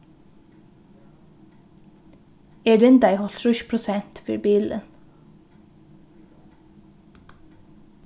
eg rindaði hálvtrýss prosent fyri bilin